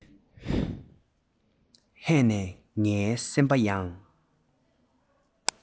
ཧད ན ངའི སེམས པ ཡང